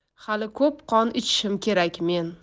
hali ko'p qon ichishim kerak men